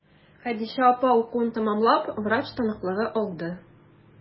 Хәдичә апа укуын тәмамлап, врач таныклыгы алды.